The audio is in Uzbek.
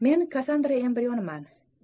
men kassandra embrionman